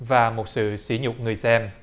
và một sự sỉ nhục người xem